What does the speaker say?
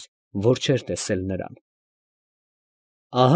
Էր, որ չէր տեսել նրան։